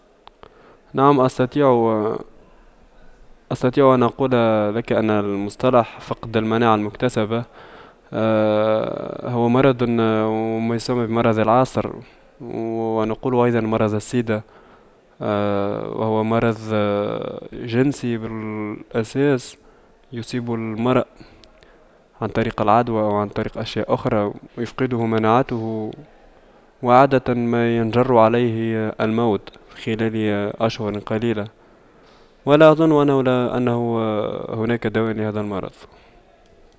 نعم أستطيع أستطيع أن أقول لك ان المصطلح فقد المناعة المكتسبة هو مرض وما يسمى بمرض العصر ونقول أيضا مرض السيدا وهو مرض جنسي بالأساس يصيب المرء عن طريق العدوى وعن طريق أشياء أخرى ويفقده مناعته وعادة ما ينجر عليه الموت خلال أشهر قليلة ولا أظن أنه لا أنه هناك دواء لهذا المرض